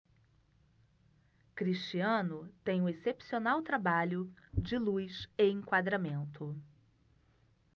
cristiano tem um excepcional trabalho de luz e enquadramento